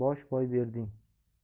bosh boy berding